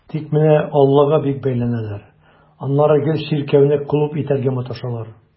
Тик менә аллага бик бәйләнәләр, аннары гел чиркәүне клуб итәргә маташалар.